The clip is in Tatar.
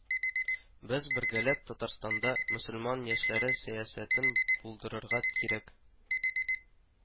Без бергәләп Татарстанда мөселман яшьләре сәясәтен булдырырга кирәк